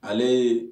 Ale